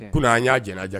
Ko an y'a jɛnɛja